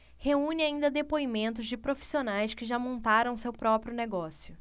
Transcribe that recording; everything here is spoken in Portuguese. reúne ainda depoimentos de profissionais que já montaram seu próprio negócio